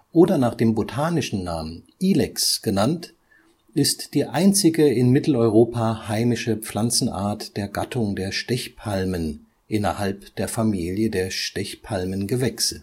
oder nach dem botanischen Namen Ilex genannt, ist die einzige in Mitteleuropa heimische Pflanzenart der Gattung der Stechpalmen (Ilex) innerhalb der Familie der Stechpalmengewächse